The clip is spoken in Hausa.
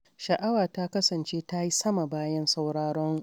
Sha’awa ta kasance ta yi sama bayan sauraron.